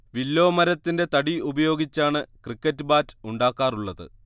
വില്ലോമരത്തിന്റെ തടി ഉപയോഗിച്ചാണ് cricket bat ഉണ്ടാക്കാറുള്ളത്